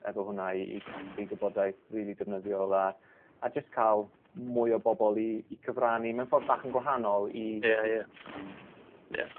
efo hwnna i i casglu gwybodaeth rili defnyddiol a a jyst ca'l mwy o bobol i i cyfrannu mewn ffordd bach yn gwahanol i... Ie ie. Ie.